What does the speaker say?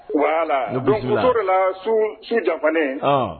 Wala don dɔ la su lalen